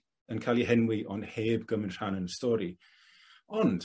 yn ca'l 'u henwi ond heb gymryd rhan yn y stori ond